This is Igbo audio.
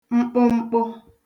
mkpụmkpụ